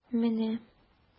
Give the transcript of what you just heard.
Менә...